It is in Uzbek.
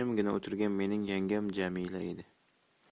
o'tirgan mening yangam jamila edi